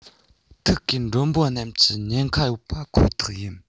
ཐིག གིས མགྲོན པོ རྣམས ཀྱི ཉེན ཁ ཡོད པ ཁོ ཐག ཡིན